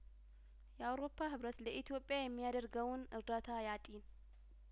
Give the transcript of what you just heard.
የአውሮፓ ህብረት ለኢትዮጵያ የሚያደርገውን እርዳታ ያጢን